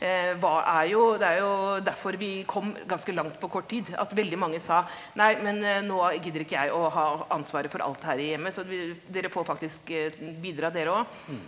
er jo det er jo derfor vi kom ganske langt på kort tid, at veldig mange sa, nei men nå gidder ikke jeg å ha ansvaret for alt her i hjemmet så vi dere får faktisk bidra dere òg.